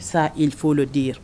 ça il faut le dire